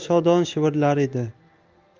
shodon shivirlar edi